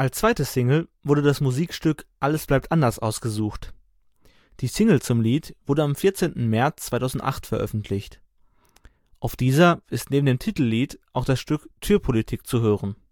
zweite Single wurde das Musikstück Alles bleibt anders ausgesucht. Die Single zum Lied wurde am 14. März 2008 veröffentlicht. Auf dieser ist neben dem Titellied auch das Stück Türpolitik zu hören